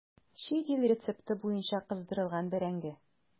Чит ил рецепты буенча кыздырылган бәрәңге.